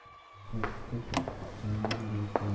g'amgin bo'lib qolardi